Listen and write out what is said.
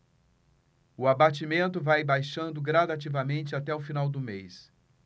o abatimento vai baixando gradativamente até o final do mês